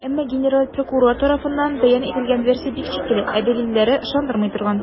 Әмма генераль прокурор тарафыннан бәян ителгән версия бик шикле, ә дәлилләре - ышандырмый торган.